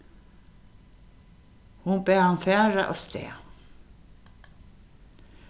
hon bað hann fara avstað